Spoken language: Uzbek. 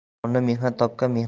nonni mehnat topgan